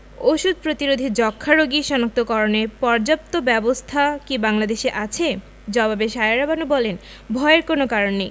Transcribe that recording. ওষুধ প্রতিরোধী যক্ষ্মা রোগী শনাক্তকরণে পর্যাপ্ত ব্যবস্থা কি বাংলাদেশে আছে জবাবে সায়েরা বানু বলেন ভয়ের কোনো কারণ নেই